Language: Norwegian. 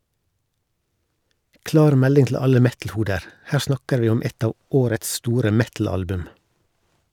Klar melding til alle metalhoder; her snakker vi om ett av årets store metalalbum!